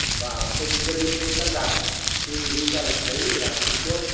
và không gây thêm căng thẳng thì chúng ta lại thấy là trung quốc